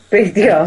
be' 'di o...